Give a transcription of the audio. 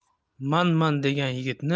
manman degan yigitni